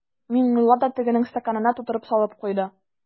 Миңнулла да тегенең стаканына тутырып салып куйды.